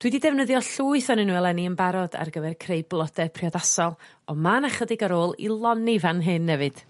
Dwi 'di defnyddio llwyth o'nyn n'w eleni yn barod ar gyfer creu blode priodasol on' ma' 'na chydig ar ôl i lonni fan hyn efyd.